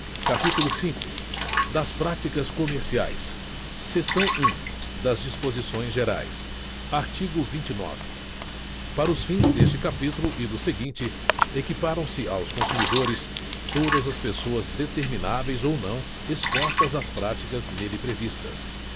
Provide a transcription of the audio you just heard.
capítulo cinco das práticas comerciais seção um das disposições gerais artigo vinte nove para os fins deste capítulo e do seguinte equiparam se aos consumidores todas as pessoas determináveis ou não expostas às práticas nele previstas